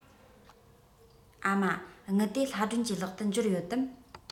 ཨ མ དངུལ དེ ལྷ སྒྲོན གྱི ལག ཏུ འབྱོར ཡོད དམ